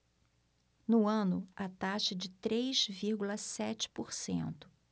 no ano a taxa é de três vírgula sete por cento